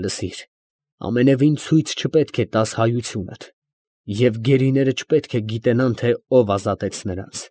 Լսիր, ամենևին ցույց չպետք է տաս հայությունդ և գերիները չպետք է գիտենան, թե ով ազատեց նրանց։